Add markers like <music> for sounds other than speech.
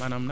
<hesitation> <hesitation>